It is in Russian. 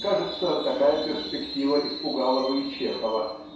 Кажется, такая перспектива испугала бы и Чехова